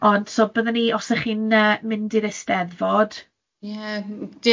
Ond so bydden ni os y'ch chi'n yy mynd i'r Eisteddfod... Ie,